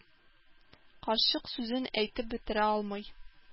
Карчык сүзен әйтеп бетерә алмый.